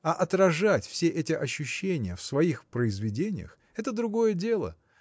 А отражать все эти ощущения в своих произведениях – это другое дело